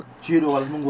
ceeɗu oo walla ndunngu oo